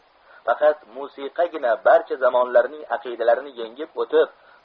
fakat musiqagina barcha zamonlarning aqidalarini yengib o'tib